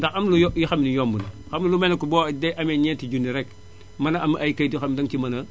ndax am na yoo xam ne yomb na xam nga lu mel ne que boo de amee ñenti junni rekk mën a am ay kayit yoo xam ne danga ci mën a